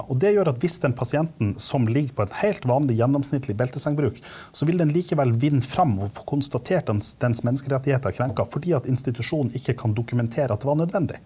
og det gjør at hvis den pasienten som ligger på en heilt vanlig gjennomsnittlig beltesengbruk, så vil den likevel vinne fram og få konstatert dens dens menneskerettigheter krenka fordi at institusjonen ikke kan dokumentere at det var nødvendig.